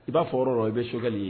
I b'a fɔ yɔrɔ la i bɛ sokɛli ye